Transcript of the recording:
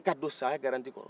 ka don saya garanti kɔrɔ